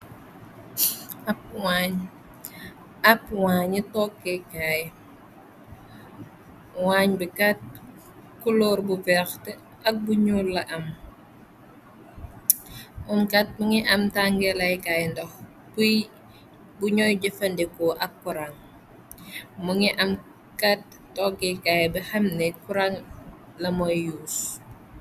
Ab wañ, ab wañi togekaay, wañ bi kat kuloor bu verta ak bu ñuul la am, mum kat mi ngi am tàngeelay kaay ndox piy bu ñooy jëfandekoo ak kurang, mu ngi am kat togekaay ba xamne kurang lamoy yuus.